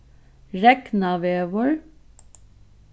regnavegur